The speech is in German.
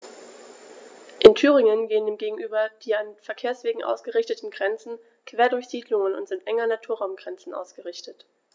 In Thüringen gehen dem gegenüber die an Verkehrswegen ausgerichteten Grenzen quer durch Siedlungen und sind eng an Naturraumgrenzen ausgerichtet.